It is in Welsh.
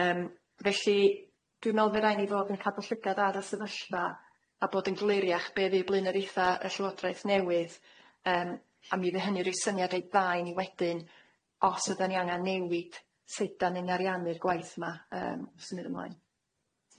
Yym felly dwi me'wl fe rai' ni fodd yn cadw llygad ar y sefyllfa a bod yn gliriach be' fydd blaenoreutha y llywodraeth newydd yym a mi fy hynny roi syniad reit dda i ni wedyn os ydan ni angan newid sut dan ni'n ariannu'r gwaith yma yym symud ymlaen.